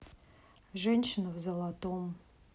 женщина в золотом